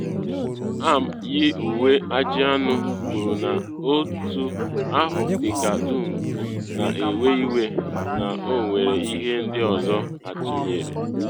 AM Yi Uwe Ajị Anụ kwuru na otu ahụ dị ka dum “na ewe iwe”, na ọ nwere ihe ndị ọzọ atụnyere.